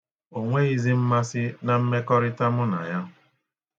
Ọ nweghịzị mmasi na mmekọrịta mụ na ya.